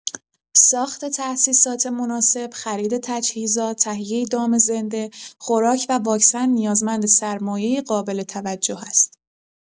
ساخت تأسیسات مناسب، خرید تجهیزات، تهیه دام زنده، خوراک و واکسن نیازمند سرمایه قابل‌توجه است.